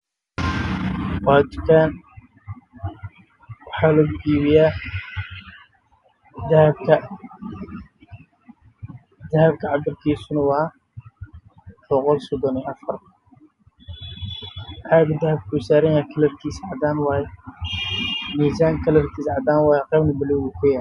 Waa Dahab meel yaalo